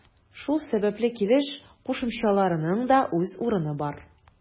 Шул сәбәпле килеш кушымчаларының да үз урыны бар.